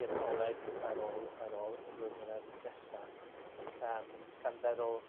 i'r coleg ar ôl ar ôl y ddwy mlynedd nesa yym gan feddwl